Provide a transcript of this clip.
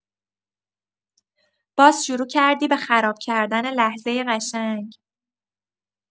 باز شروع کردی به خراب کردن لحظه قشنگ.